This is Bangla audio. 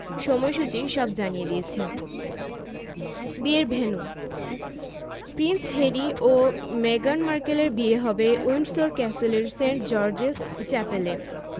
সময়সূচী সব জানিয়ে দিয়েছে বিয়ের ভেন্যু প্রিন্স হ্যারি ও মেগান মার্কেলের বিয়ে হবে উইন্ডসর ক্যাসেলের সেন্ট জর্জেস চ্যাপেলে